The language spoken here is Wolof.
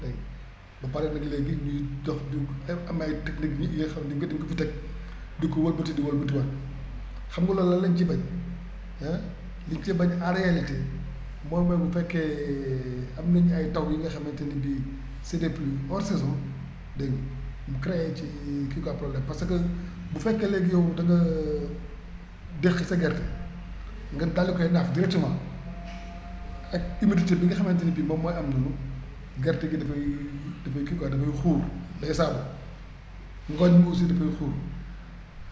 dégg nga ba pare nag léegi ñu ngi dox di am na ay techniques yi nga xam ne dañ koy def di fi teg di ko wëlbati di ko wëlbatiwaat xam nga loolu lan lañ ci bañ ah luñ ciy bañ en réalité mooy bu fekkee am nañ ay taw yi nga xamante ne bii c' est des pluies hors saison dégg nga mu créé ci kii quoi problème parce que bu fekkee léegi yow da nga déqi sa gerte nga daal di koy naaf directement ak humidité bi nga xamante ne nii moom mooy am noonu gerte gi dafay dafay kii quoi dafay xuur day saabu ngooñ bi aussi dafay xuur